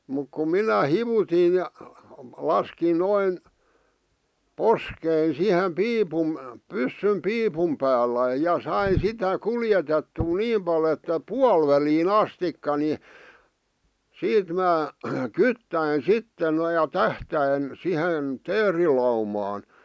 mutta kun minä hivutin ja laskin noin poskeni siihen piipun pyssyn piipun päällä ja sain sitä kuljetettua niin paljon että - puoliväliin asti niin siitä minä kyttäsin sitten noin ja tähtäsin siihen teerilaumaan